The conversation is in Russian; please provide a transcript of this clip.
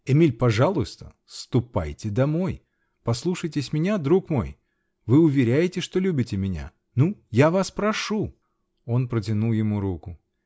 Эмиль, пожалуйста, ступайте домой! Послушайтесь меня, друг мой! Вы уверяете, что любите меня. Ну, я вас прошу! Он протянул ему руку.